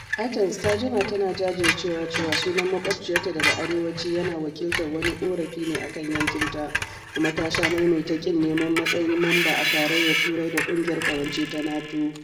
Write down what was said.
Ya ƙara da cewa, za a musanya majami’u da gine-ginen gidaje tare da manyan wurare masu cike da irin mutane waɗanda ba za su taimaka wa sauran wuraren samun mafaka na makwaɓta ba.